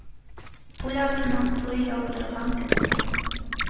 Пуля артыннан пуля яудырган кебек,